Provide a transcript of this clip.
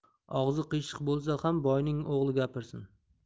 og'zi qiyshiq bo'lsa ham boyning o'g'li gapirsin